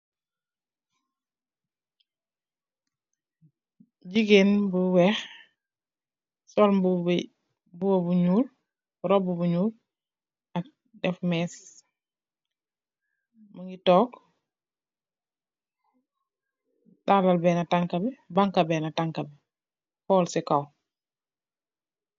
Gigeen bu wekh sul mbobu bu nyul ak robu bu nyul ak daf mess munge tok talal bena tankah bi bankuh benen bi hull si kaw